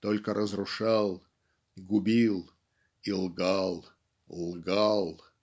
только разрушал, губил и лгал, лгал. "